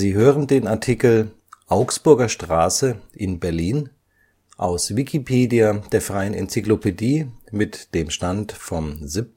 hören den Artikel Augsburger Straße (Berlin), aus Wikipedia, der freien Enzyklopädie. Mit dem Stand vom Der